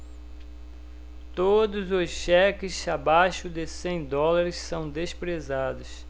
todos os cheques abaixo de cem dólares são desprezados